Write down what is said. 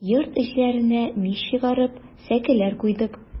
Йорт эчләренә мич чыгарып, сәкеләр куйдык.